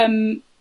...yym.